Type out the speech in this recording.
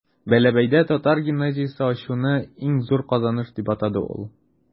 Бәләбәйдә татар гимназиясе ачуны иң зур казаныш дип атады ул.